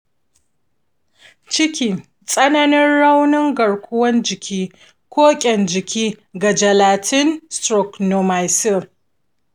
ciki, tsananin raunin garkuwar jiki, ko ƙan-jiki ga gelatin/neomycin.